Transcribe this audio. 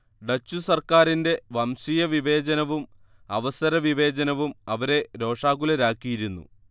Dutch സർക്കാരിന്റെ വംശീയവിവേചനവും അവസരവിവേചനവും അവരെ രോഷാകുലരാക്കിയിരുന്നു